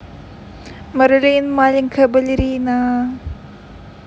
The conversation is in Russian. marilyn маленькая балерина